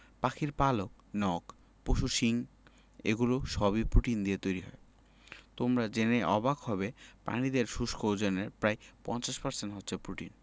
পাখির পালক নখ পশুর শিং এগুলো সবই প্রোটিন দিয়ে তৈরি হয় তোমরা জেনে অবাক হবে প্রাণীদেহের শুষ্ক ওজনের প্রায় ৫০% হচ্ছে প্রোটিন